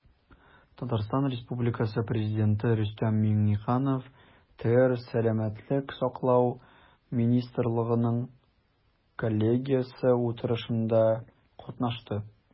Татарстан Республикасы Президенты Рөстәм Миңнеханов ТР Сәламәтлек саклау министрлыгының коллегиясе утырышында катнашты.